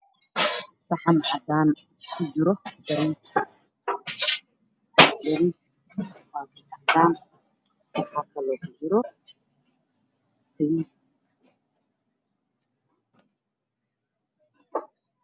Waa saxan cadaan waxaa ku jira bariis yahay caddaan waxaa saaran qarando jaalo ah